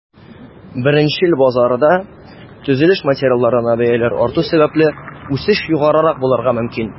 Беренчел базарда, төзелеш материалларына бәяләр арту сәбәпле, үсеш югарырак булырга мөмкин.